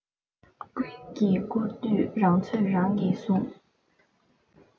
ཀུན གྱིས བཀུར དུས རང ཚོད རང གིས ཟུངས